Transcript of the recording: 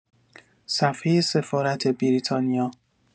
صفحه سفارت بریتانیا